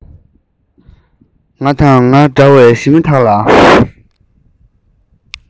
ང དང ང འདྲ བའི ཞི མི དག ལ